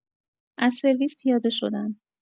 از سرویس پیاده شدم